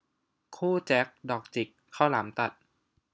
คู่แจ็คดอกจิกข้าวหลามตัด